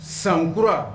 Sankura